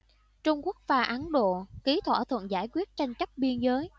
trung quốc và ấn độ ký thỏa thuận giải quyết tranh chấp biên giới